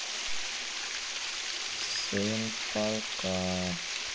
сын полка